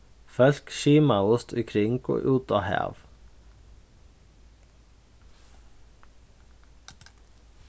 fólk skimaðust íkring og út á hav